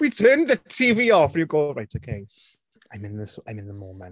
We turned the TV off and you go, "Right, ok. I'm in the z- I'm in the moment.